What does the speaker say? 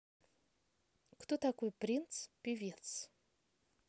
кто такой принц певец